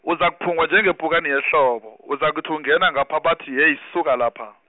uzakuphungwa njengepukani yehlobo, uzakuthi ungena ngapha bathi heyi suka lapha.